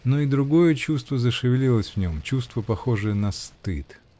но и другое чувство зашевелилось в нем, чувство, похожее на стыд.